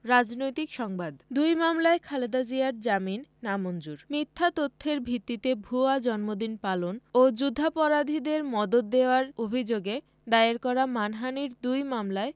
রাজনৈতিক সংবাদ দুই মামলায় খালেদা জিয়ার জামিন নামঞ্জুর মিথ্যা তথ্যের ভিত্তিতে ভুয়া জন্মদিন পালন ও যুদ্ধাপরাধীদের মদদ দেওয়ার অভিযোগে দায়ের করা মানহানির দুই মামলায়